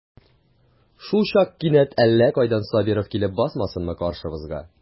Шулчак кинәт әллә кайдан Сабиров килеп басмасынмы каршыбызга.